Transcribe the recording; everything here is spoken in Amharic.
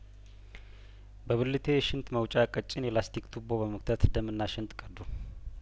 በብልቴ ሽንት መውጫ ቀጭን የላስቲክ ቱቦ በመክተት ደምና ሽንት ቀዱ